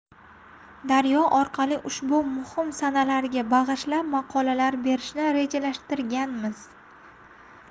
daryo orqali ushbu muhim sanalarga bag'ishlab maqolalar berishni rejalashtirganmiz